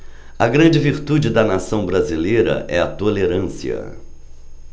a grande virtude da nação brasileira é a tolerância